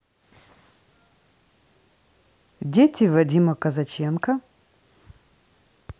дети вадима казаченко